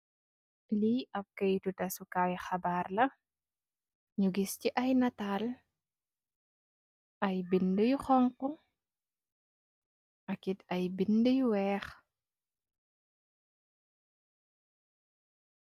Li ap kayiti tasu Kai xibarr la, ñu gis ci ay nital ay bindi yu xonxu ak kit ay bindi yu wèèx.